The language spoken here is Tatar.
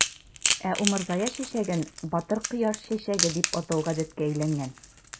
Ә умырзая чәчәген "батыр кояш чәчәге" дип атау гадәткә әйләнгән.